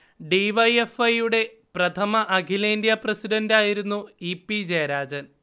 D. Y. F. I. യുടെ പ്രഥമ അഖിലേന്ത്യാ പ്രസിഡണ്ട് ആയിരുന്നു ഇ. പി. ജയരാജൻ